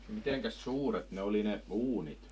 mitenkäs suuret ne oli ne uunit